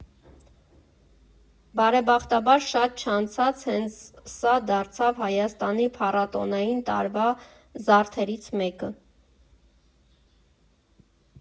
Բարեբախտաբար, շատ չանցած հենց սա դարձավ Հայաստանի փառատոնային տարվա զարդերից մեկը։